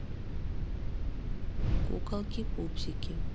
куколки пупсики